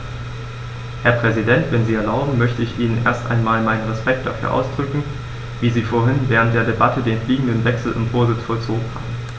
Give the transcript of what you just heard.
Herr Präsident, wenn Sie erlauben, möchte ich Ihnen erst einmal meinen Respekt dafür ausdrücken, wie Sie vorhin während der Debatte den fliegenden Wechsel im Vorsitz vollzogen haben.